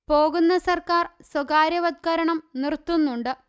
പോകുന്ന സർക്കാർ സ്വകാര്യവത്കരണം നിർത്തുന്നുണ്ട്